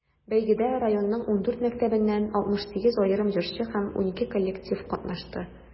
Бәйгедә районның 14 мәктәбеннән 68 аерым җырчы һәм 12 коллектив катнашты.